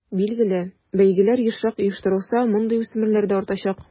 Билгеле, бәйгеләр ешрак оештырылса, мондый үсмерләр дә артачак.